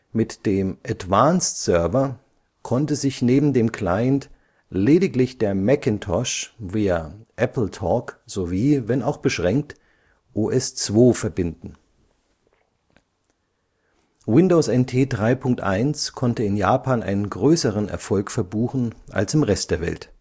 Mit dem Advanced Server konnte sich neben dem Client lediglich der Macintosh (via AppleTalk) sowie, wenn auch beschränkt, OS/2 verbinden. Windows NT 3.1 konnte in Japan einen größeren Erfolg verbuchen als im Rest der Welt